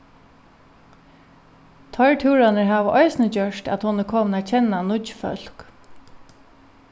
teir túrarnir hava eisini gjørt at hon er komin at kenna nýggj fólk